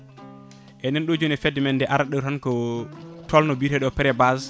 enen ɗo joni e fedde men nde arata ɗo tan ko tolno mbiteɗo mbiteɗo pré-base